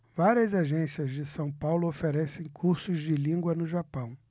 várias agências de são paulo oferecem cursos de língua no japão